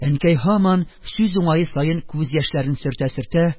Әнкәй һаман сүз уңае саен күз яшьләрен сөртә-сөртә: